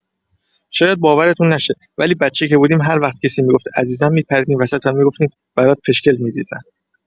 شاید باورتون نشه ولی بچه که بودیم هروقت کسی می‌گفت عزیزم می‌پریدیم وسط و می‌گفتیم برات پشکل می‌ریزم.